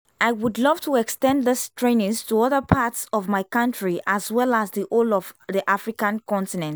I would love to extend these trainings to other parts of my country as well as the whole of the African continent.